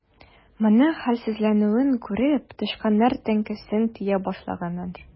Моның хәлсезләнүен күреп, тычканнар теңкәсенә тия башлаганнар.